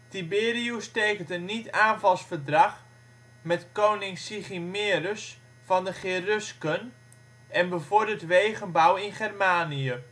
Tiberius tekent een niet-aanvalsverdrag met koning Sigimerus van de Cherusken en bevordert wegenbouw in Germanië